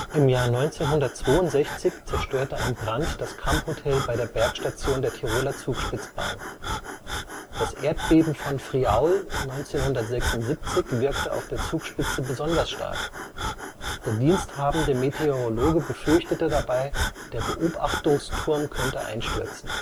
1962 zerstörte ein Brand das Kammhotel bei der Bergstation der Tiroler Zugspitzbahn. Das Erdbeben von Friaul 1976 wirkte auf der Zugspitze besonders stark: Der diensthabende Meteorologe befürchtete dabei, der Beobachtungsturm könnte einstürzen